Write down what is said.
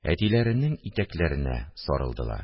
Әтиләренең итәкләренә сарылдылар